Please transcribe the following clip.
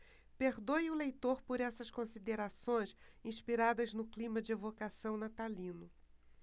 perdoe o leitor por essas considerações inspiradas no clima de evocação natalino